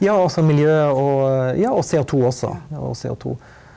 ja altså miljø og ja og CO2 også og CO2.